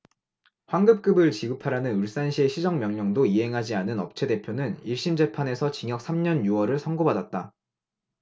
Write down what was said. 환급금을 지급하라는 울산시의 시정명령도 이행하지 않은 업체대표는 일 심 재판에서 징역 삼 년 유 월을 선고받았다